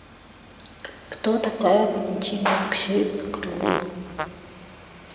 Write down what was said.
кто такая валентина алексеевна климова